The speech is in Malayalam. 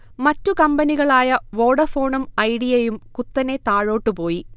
മറ്റു കമ്പനികളായ വോഡഫോണും ഐഡിയയും കുത്തനെ താഴോട്ടുപോയി